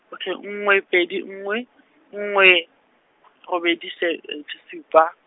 okay, nngwe pedi nngwe , nngwe robedi se sesupa.